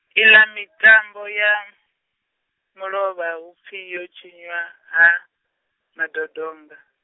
i ḽa mitambo ya, mulovha hupfi yo tshinya Ha Madodonga.